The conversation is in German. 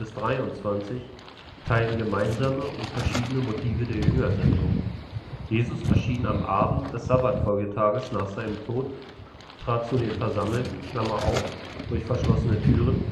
23 teilen gemeinsame und verschiedene Motive der Jüngersendung: Jesus erschien am Abend des Sabbatfolgetags nach seinem Tod, trat zu den Versammelten (Jh: durch verschlossene Türen